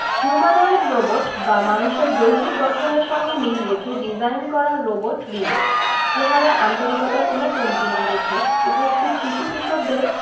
humanoid robot বা মানুষের দৈহিক গঠনের সঙ্গে মিল রেখে ডিজাইন করা রোবট রিবো চেহারায় আন্তরিকতার কোনো কমতি না রেখে উপস্থিত শিশু কিশোরদের